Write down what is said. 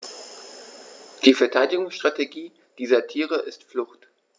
Die Verteidigungsstrategie dieser Tiere ist Flucht.